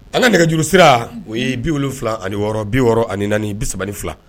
An ka nɛgɛjuru sira o ye 76 64 32.